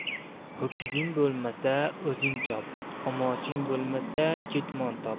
ho'kizing bo'lmasa o'zing chop omoching bo'lmasa ketmon top